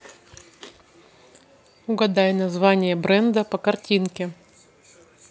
угадай название бренда по картинке